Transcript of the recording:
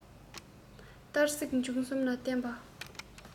གཏར སྲེག བྱུག གསུམ ལ བརྟེན པའོ